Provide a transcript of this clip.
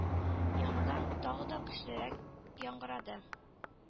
Яңадан тагы да көчлерәк яңгырады.